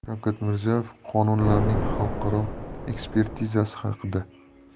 shavkat mirziyoyev qonunlarning xalqaro ekspertizasi haqida